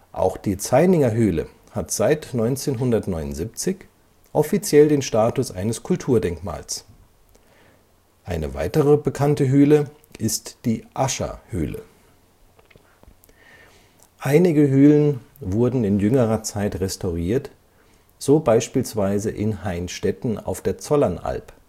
Auch die Zaininger Hüle hat seit 1979 offiziell den Status eines Kulturdenkmals. Eine weitere bekannte Hüle ist die Ascher Hüle. Einige Hülen wurden in jüngerer Zeit restauriert, so beispielsweise in Heinstetten auf der Zollernalb